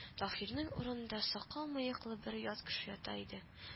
Таһирның урынында сакал-мыеклы бер ят кеше ята иде